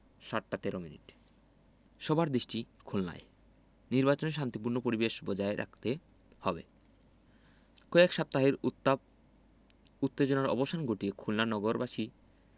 ৭টা ১৩ মিনিট সবার দৃষ্টি খুলনায় নির্বাচনে শান্তিপূর্ণ পরিবেশ বজায় রাখতে হবে কয়েক সপ্তাহের উত্তাপ উত্তেজনার অবসান ঘটিয়ে খুলনা নগরবাসী